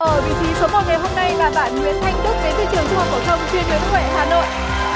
ở vị trí số một ngày hôm nay là bạn nguyễn thanh đức đến từ trường trung học phổ thông chuyên nguyễn huệ hà nội